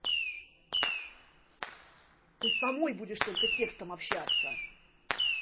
ты самой будешь только текстом общаться